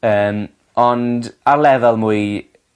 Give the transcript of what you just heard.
Yym ond ar lefel mwy